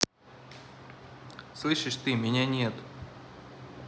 слышишь ты меня нет